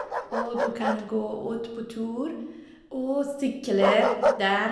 Og du kan gå ut på tur og sykle der.